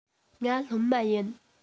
ང སློབ མ ཡིན